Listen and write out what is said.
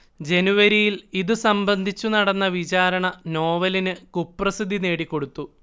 ജനുവരിയിൽ ഇതുസംബന്ധിച്ചു നടന്ന വിചാരണ നോവലിന് കുപ്രസിദ്ധി നേടിക്കൊടുത്തു